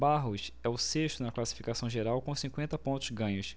barros é o sexto na classificação geral com cinquenta pontos ganhos